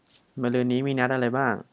มะรืนนี้มีนัดอะไรบ้าง